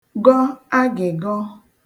gọ agị̀gọ